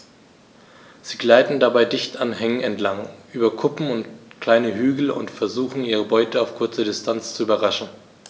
Sie gleiten dabei dicht an Hängen entlang, über Kuppen und kleine Hügel und versuchen ihre Beute auf kurze Distanz zu überraschen.